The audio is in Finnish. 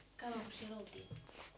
kauankos siellä oltiin